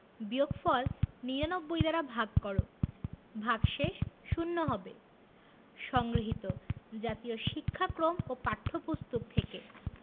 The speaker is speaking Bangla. বিয়োগফল ৯৯ দ্বারা ভাগ কর ভাগশেষ শূন্য হবে সংগৃহীত জাতীয় শিক্ষাক্রম ও পাঠ্যপুস্তক থেকে